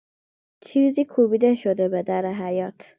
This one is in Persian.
چیزی کوبیده شد به در حیاط